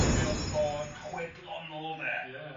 Mewn ffor' chwedlonol de. Ia ia.